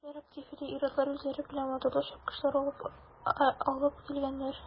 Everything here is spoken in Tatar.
Кешеләр актив иде, ир-атлар үзләре белән моторлы чапкычлар алыпн килгәннәр.